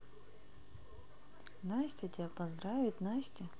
настя тебя поздравит настя